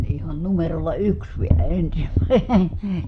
ihan numerolla yksi vielä ensimmäinen